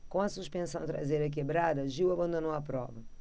com a suspensão traseira quebrada gil abandonou a prova